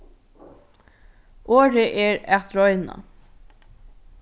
orðið er at royna